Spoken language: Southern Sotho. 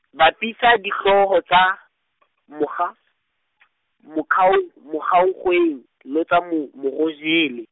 bapisa dihlooho tsa , Mokgwa- , Mokhao-, Mocoancoeng le tsa Mo-, Morojele.